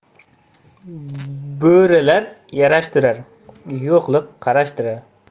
borlik yarashtirar yo'qlik qarashtirar